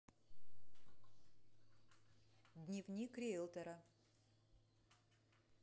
дневник риелтора